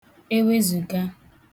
ewezùga